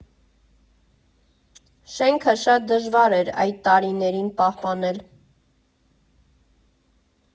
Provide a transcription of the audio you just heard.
Շենքը շատ դժվար էր այդ տարիներին պահպանել։